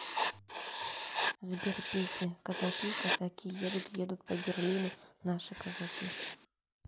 сбер песня казаки казаки едут едут по берлину наши казаки